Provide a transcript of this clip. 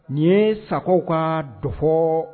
Nin yee Sakɔw kaa dɔfɔɔ